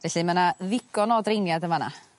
Felly ma' 'na ddigon o dreiniad yn fan 'na.